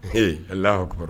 Ee Allahou Akbarou